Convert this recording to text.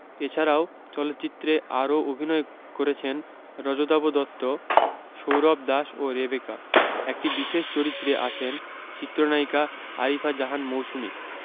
এছাড়াও চলচ্চিত্রে আরও অভিনয় করেছেন রজতাভ দত্ত সৌরভ দাস ও রেবেকা একটি বিশেষ চরিত্রে আছেন চিত্রনায়িকা আরিফা জাহান মৌসুমী